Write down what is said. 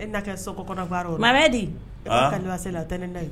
E na kɛ sokɔ kɔnɔbaa di se la a tɛ ne da yen